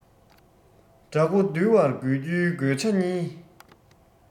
དགྲ མགོ འདུལ བར དགོས རྒྱུའི དགོས ཆ གཉིས